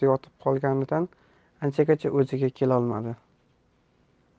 yotib qolganidan anchagacha o'ziga kelolmadi